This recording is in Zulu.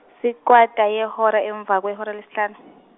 yehora emva kwehora lesihlanu.